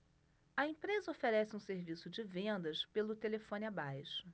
a empresa oferece um serviço de vendas pelo telefone abaixo